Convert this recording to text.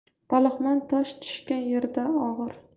palaxmon tosh tushgan yerida og'ir